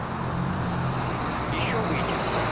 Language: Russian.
еще выйти